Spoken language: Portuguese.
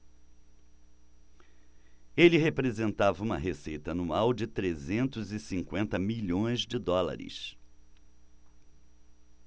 ele representava uma receita anual de trezentos e cinquenta milhões de dólares